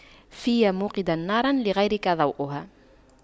فيا موقدا نارا لغيرك ضوؤها